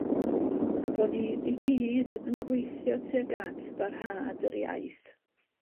a bo' ni i gyd yn gweithio tuag at barhad yr iaith.